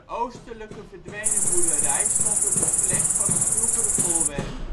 oostelijke verdwenen boerderij stond op de plek van het vroegere voorwerk